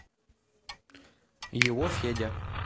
его федя